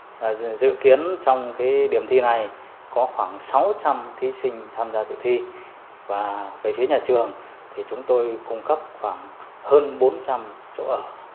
dự kiến trong cái điểm thi này có khoảng sáu trăm thí sinh tham gia dự thi và về phía nhà trường thì chúng tôi cung cấp khoảng hơn bốn trăm chỗ ở